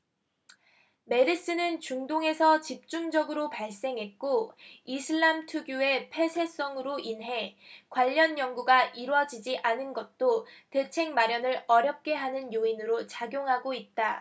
메르스는 중동에서 집중적으로 발생했고 이슬람 특유의 폐쇄성으로 인해 관련 연구가 이뤄지지 않은 것도 대책 마련을 어렵게 하는 요인으로 작용하고 있다